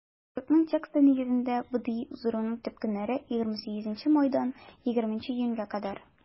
Боерыкның тексты нигезендә, БДИ уздыруның төп көннәре - 28 майдан 20 июньгә кадәр.